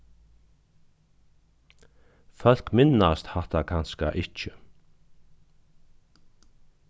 fólk minnast hatta kanska ikki